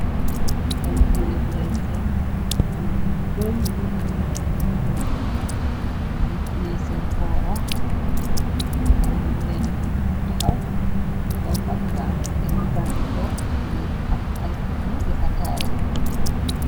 Ay biwen ngay seen giwel yu bari nu mitiyey seen kooraax am benaguur bu taxaw solxartaan kenenka ngi took ngi am ay furnu di ataaya.